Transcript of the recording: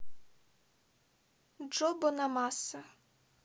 джо бонамасса